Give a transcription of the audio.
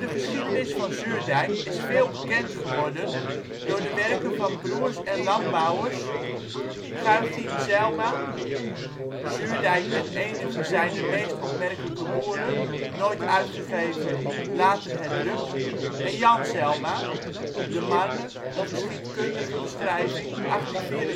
geschiedenis van Zuurdijk is veel bekend geworden door de werken van broers en landbouwers Geuchien Zijlma (Zuurdijk en eenige zijner meest opmerkelijke boeren, nooit uitgegeven, later herdrukt) en Jan Zijlma (De Marne, een geschiedkundige beschrijving, 1884